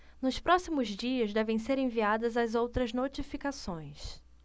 nos próximos dias devem ser enviadas as outras notificações